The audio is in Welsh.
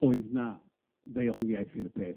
Oedd 'na ddeuoliaeth i'r peth.